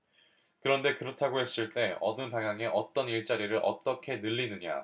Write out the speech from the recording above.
그런데 그렇다고 했을 때 어느 방향의 어떤 일자리를 어떻게 늘리느냐